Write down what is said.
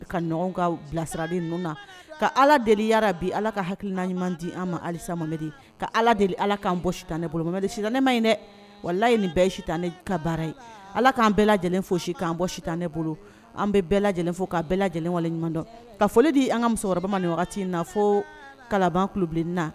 Ka ka bilasira na ka ala deli ya bi ala ka hakiliina ɲuman di an ma alisa mamɛdi ka deli ala'an bɔ sitan ne bolo ma si ne ma ye dɛ walayi nin bɛɛ sitan ne ka baara ye ala k'an bɛɛ lajɛlen fo si k'an bɔ sitan ne bolo an bɛɛ bɛɛ lajɛlen fo' bɛɛ lajɛlenwaleɲumandɔn ka foli di an ka musokɔrɔba ni wagati in na fo kalanban kubilenina